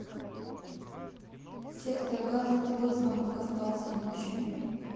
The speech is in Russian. сектор газа твой звонок остался ночью